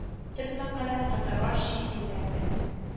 Төп мәкалә: Татарлар чит илләрдә